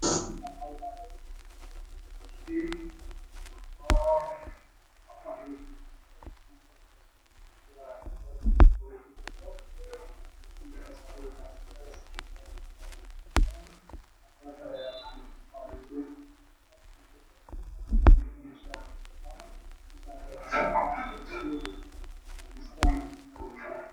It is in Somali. Kani waa guri dabaq ah oo dhismo ku socdo waxana lagu dhisaaya alwaaxyo iyo biro